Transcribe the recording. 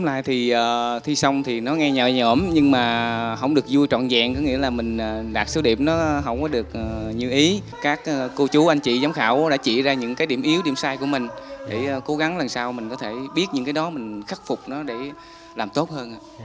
lại thì à thi xong thì nó nghe nhẹ nhõm nhưng mà hổng được vui trọn vẹn có nghĩa là mình đạt số điểm nó hổng có được như ý các cô chú anh chị giám khảo đã chỉ ra những cái điểm yếu điểm sai của mình để cố gắng lần sau mình có thể biết những cái đó mình khắc phục nó để làm tốt hơn ạ